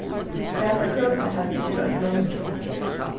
og hasa køkuna havi eg ikki roynt leingi